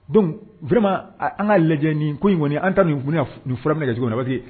Donma an ka lajɛ ni ko in kɔni an fura bɛ lajɛcogo na waati